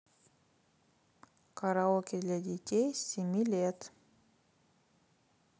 караоке для детей с семи лет